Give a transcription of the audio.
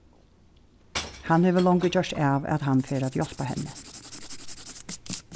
hann hevur longu gjørt av at hann fer at hjálpa henni